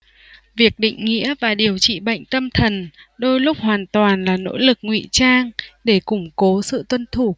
việc định nghĩa và điều trị bệnh tâm thần đôi lúc hoàn toàn là nỗ lực ngụy trang để củng cố sự tuân thủ